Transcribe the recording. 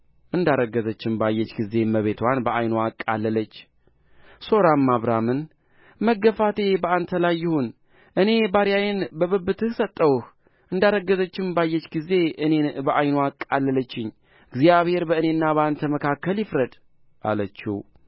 እንዳረገዘችም ባየች ጊዜ እመቤትዋን በዓይንዋ አቃለለች ሦራም አብራምን መገፋቴ በአንተ ላይ ይሁን እኔ ባሪያዬን በብብትህ ሰጠሁህ እንዳረገዘችም ባየች ጊዜ እኔን በዓይንዋ አቃለለችኝ እግዚአብሔር በእኔና በአንተ መካከል ይፍረድ አለችው